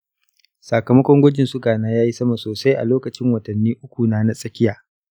sakamakon gwajin suga na yayi sama sosai a lokacin watanni ukuna na tsakkiya.